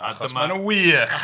Achos maen nhw'n wych!